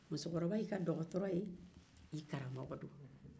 musokɔrɔba y'i ka dɔgɔtɔrɔ ye i karamɔgɔ don